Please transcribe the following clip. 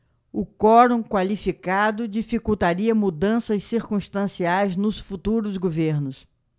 o quorum qualificado dificultaria mudanças circunstanciais nos futuros governos